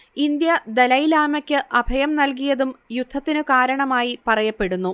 India ദലൈലാമക്ക് അഭയം നൽകിയതും യുദ്ധത്തിന് കാരണമായി പറയപ്പെടുന്നു